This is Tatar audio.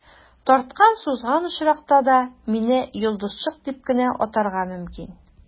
Тарткан-сузган очракта да, мине «йолдызчык» дип кенә атарга мөмкин.